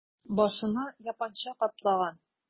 Башына япанча каплаган...